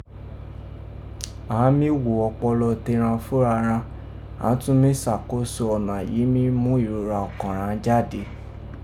Án mí ghò ọpọlọ teghan fúnra ghan, án tọ́n mí sàkóso ọ̀nà yìí mí mú ìrora ọkàn ghan jáde.